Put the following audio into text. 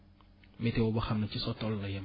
météo boo xam ne ci sa tool la yam